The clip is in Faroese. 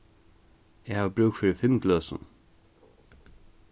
eg havi brúk fyri fimm gløsum